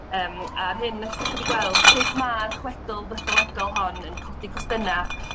Yym a'r hyn wnes dach chi 'di gweld sud ma'r chwedl fytholegol hon yn codi cwestyna